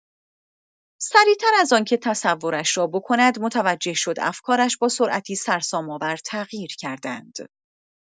سریع‌تر از آنکه تصورش را بکند متوجه شد افکارش با سرعتی سرسام‌آور تغییر کرده‌اند.